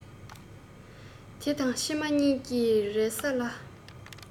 འདི དང ཕྱི མ གཉིས ཀྱི རེ ས ལ